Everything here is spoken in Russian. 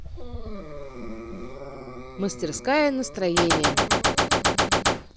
мастерская настроения